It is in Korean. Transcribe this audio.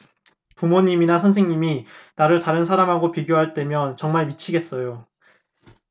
부모님이나 선생님이 나를 다른 사람하고 비교할 때면 정말 미치겠어요